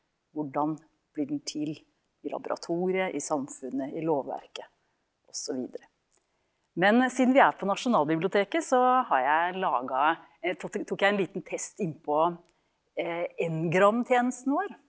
hvordan blir den til i laboratoriet, i samfunnet, i lovverket og så videre, men siden vi er på Nasjonalbiblioteket så har jeg laga tok jeg en liten test innpå N-gramtjenesten vår.